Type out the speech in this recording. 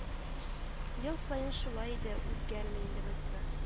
Ел саен шулай иде, үзгәрми иде монысы